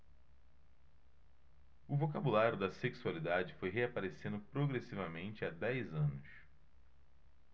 o vocabulário da sexualidade foi reaparecendo progressivamente há dez anos